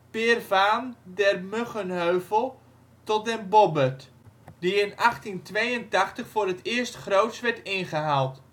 Peer vaan den Muggenheuvel tot den Bobberd), die in 1882 voor het eerst groots werd ingehaald